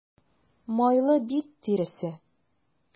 Майлы бит тиресе.